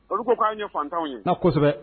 Boloko k' ye fantanw ye na kosɛbɛ